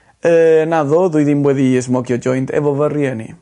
Yy naddo dwi ddim weddi ysmocio joint efo fy rhieni.